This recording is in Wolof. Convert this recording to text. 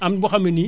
am boo xam ne nii